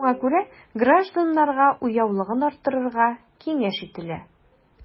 Шуңа күрә гражданнарга уяулыгын арттырыга киңәш ителә.